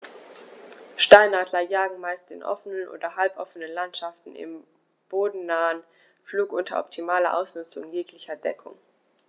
Steinadler jagen meist in offenen oder halboffenen Landschaften im bodennahen Flug unter optimaler Ausnutzung jeglicher Deckung.